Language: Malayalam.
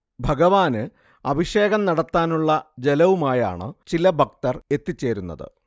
ഭഗവാന് അഭിഷേകം നടത്താനുള്ള ജലവുമായാണ് ചില ഭക്തർ എത്തിച്ചേരുന്നത്